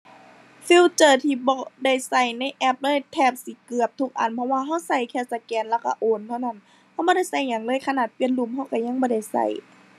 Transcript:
ฟีเจอร์ที่บ่ได้ใช้ในแอปเลย แทบสิเกือบทุกอัน เพราะว่าใช้ใช้แค่สแกนแล้วใช้โอนเท่านั้น ใช้บ่ได้ใช้หยังเลย ขนาดเปลี่ยนรูปใช้ใช้ยังบ่ได้ใช้